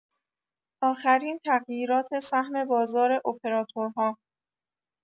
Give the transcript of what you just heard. آخرین تغییرات سهم بازار اپراتورها